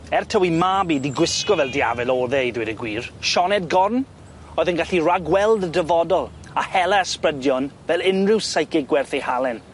Er taw 'i mab 'i 'di gwisgo fel diafel o'dd e i dweud y gwir, Sioned Gorn o'dd yn gallu ragweld y dyfodol a hela ysbrydion fel unryw psychic gwerth ei halen.